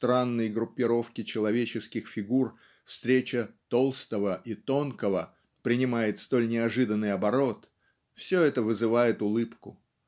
в странной группировке человеческих фигур встреча "толстого" и "тонкого" принимает столь неожиданный оборот все это вызывает улыбку.